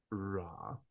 Rah.